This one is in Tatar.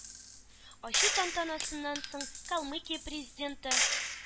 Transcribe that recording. Ачу тантанасыннан соң, калмыкия президенты,